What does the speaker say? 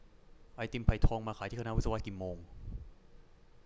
ไอติมไผ่ทองมาขายที่คณะวิศวะกี่โมง